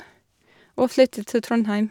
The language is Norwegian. Og flyttet til Trondheim.